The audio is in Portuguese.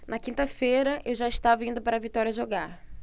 na quinta-feira eu já estava indo para vitória jogar